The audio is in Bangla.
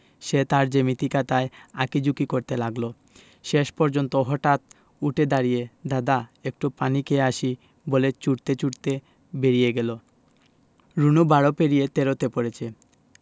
সে তার জ্যামিতি খাতায় আঁকি ঝুকি করতে লাগলো শেষ পর্যন্ত হঠাৎ উঠে দাড়িয়ে দাদা একটু পানি খেয়ে আসি বলে ছুটতে ছুটতে বেরিয়ে গেল রুনু বারো পেরিয়ে তেরোতে পড়েছে